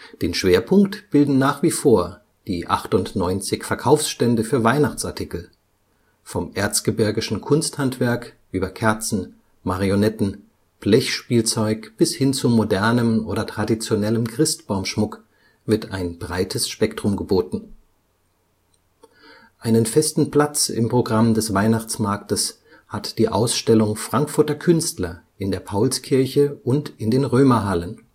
Den Schwerpunkt bilden nach wie vor die 98 Verkaufsstände für Weihnachtsartikel: vom erzgebirgischen Kunsthandwerk über Kerzen, Marionetten, Blechspielzeug bis hin zu modernem oder traditionellem Christbaumschmuck wird ein breites Spektrum geboten. Einen festen Platz im Programm des Weihnachtsmarktes hat die Ausstellung Frankfurter Künstler in der Paulskirche und in den Römerhallen